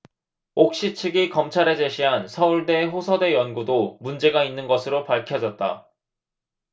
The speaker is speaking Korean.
옥시 측이 검찰에 제시한 서울대 호서대 연구도 문제가 있는 것으로 밝혀졌다